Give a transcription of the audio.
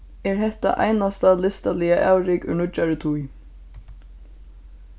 er hetta einasta listaliga avrik úr nýggjari tíð